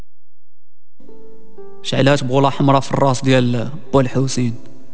شيلات بالاحمر في الراس والحوثيين